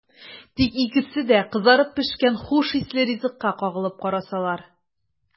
Тик икесе дә кызарып пешкән хуш исле ризыкка кагылып карасалар!